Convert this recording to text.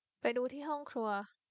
ไปดูที่ห้องครัว